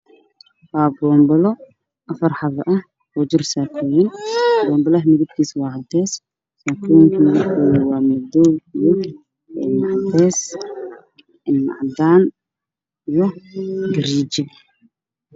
Waa bobilo afar xabo ah kujiro sakoyin bobilah midbkis waa cades sakoyinka midabkode waa madow cades cadan karey